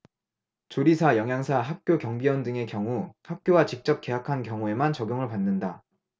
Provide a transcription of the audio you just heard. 조리사 영양사 학교 경비원 등의 경우 학교와 직접 계약한 경우에만 적용을 받는다